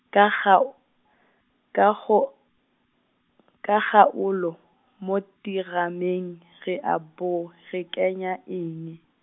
ka gao-, ka go, ka kgaolo, mo terameng, re a bo re kanya eng?